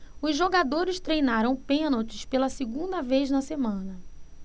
os jogadores treinaram pênaltis pela segunda vez na semana